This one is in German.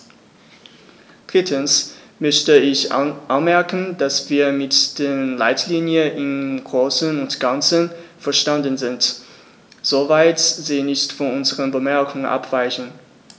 Drittens möchte ich anmerken, dass wir mit den Leitlinien im großen und ganzen einverstanden sind, soweit sie nicht von unseren Bemerkungen abweichen.